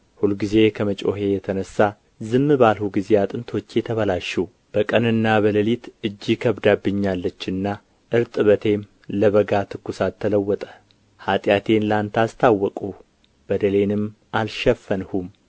ሁልጊዜ ከመጮኼ የተነሣ ዝም ባልሁ ጊዜ አጥንቶቼ ተበላሹ በቀንና በሌሊት እጅህ ከብዳብኛለችና እርጥበቴም ለበጋ ትኵሳት ተለወጠ ኃጢአቴን ለአንተ አስታወቅሁ በደሌንም አልሸፈንሁም